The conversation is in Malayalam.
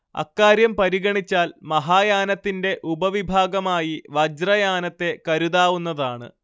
അക്കാര്യം പരിഗണിച്ചാൽ മഹായാനത്തിന്റെ ഉപവിഭാഗമായി വജ്രയാനത്തെ കരുതാവുന്നതാണ്